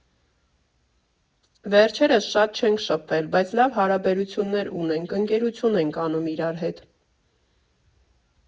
Վերջերս շատ չենք շփվել, բայց լավ հարաբերություններ ունենք, ընկերություն ենք անում իրար հետ։